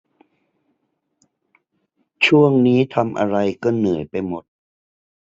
ช่วงนี้ทำอะไรก็เหนื่อยไปหมด